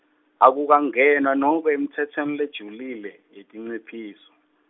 akukangenwa noko emitsetfweni lejulile yetinciphiso.